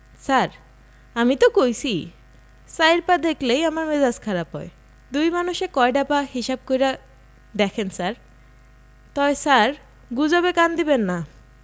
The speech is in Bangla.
ছার আমি তো কইছিই চাইর পা দেখলেই আমার মেজাজ খারাপ হয় দুই মানুষে কয়ডা পা হিসাব কইরা দেখেন ছার তয় ছার গুজবে কান্দিবেন্না